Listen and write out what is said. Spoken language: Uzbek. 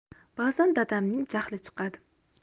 bazan dadamning jahli chiqadi